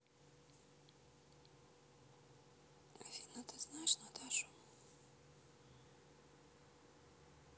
афина ты знаешь наташу